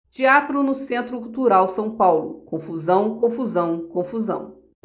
teatro no centro cultural são paulo confusão confusão confusão